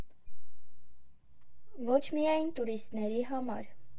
Ոչ միայն տուրիստների համար։